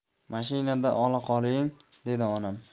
mashinada ola qoling dedi oyim